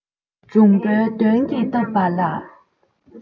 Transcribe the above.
འབྱུང པོའི གདོན གྱིས བཏབ པ ལ